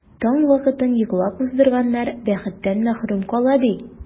Таң вакытын йоклап уздырганнар бәхеттән мәхрүм кала, ди.